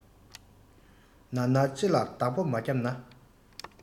ནར ནར ལྕེ ལ བདག པོ མ རྒྱབ ན